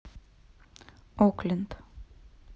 окленд